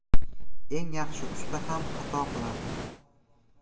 eng yaxshi usta ham xato qiladi